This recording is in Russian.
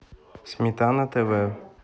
сметана тв